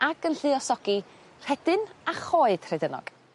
ac yn lluosogi rhedyn a choed rhedynog.